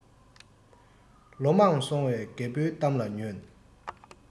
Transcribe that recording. ལོ མང སོང བའི རྒད པོའི གཏམ ལ ཉོན